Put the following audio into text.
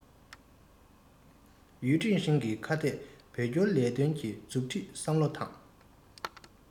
ཡུས ཀྲེང ཧྲེང གིས ཁ གཏད བོད སྐྱོར ལས དོན གྱི མཛུབ ཁྲིད བསམ བློ དང